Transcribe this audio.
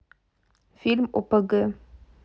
фильм опг